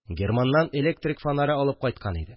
Германнан электрик фонаре алып кайткан иде